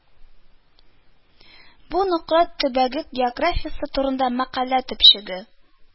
Бу Нократ төбәге географиясе турында мәкалә төпчеге